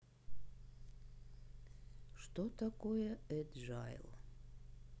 что такое эджайл